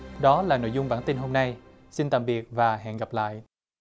đó là nội dung bản tin hôm nay xin tạm biệt và hẹn gặp lại